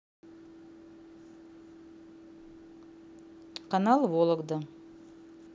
канал вологда